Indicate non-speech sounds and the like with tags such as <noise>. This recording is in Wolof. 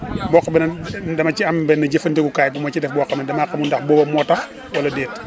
<crosstalk> mboq bi nag dama cee am benn jëfandikukaay bu ma ci def <crosstalk> boo xam ne damaa xamul ndax booba moo tax wala déet <crosstalk>